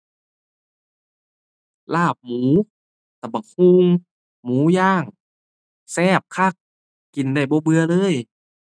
ลาบหมู ตำบักหุ่ง หมูย่าง แซ่บคัก กินได้บ่เบื่อเลย